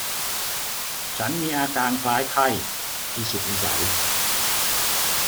ฉันมีอาการคล้ายไข้อีสุกอีใส